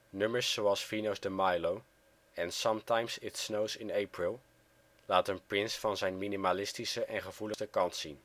Nummers zoals Venus De Milo en Sometimes It Snows in April laten Prince van zijn minimalistische en gevoeligste kant zien